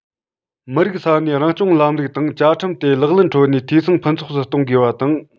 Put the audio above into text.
མི རིགས ས གནས རང སྐྱོང ལམ ལུགས དང བཅའ ཁྲིམས དེ ལག ལེན ཁྲོད ནས འཐུས ཚང ཕུན ཚོགས སུ གཏོང དགོས པ དང